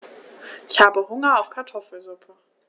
Ich habe Hunger auf Kartoffelsuppe.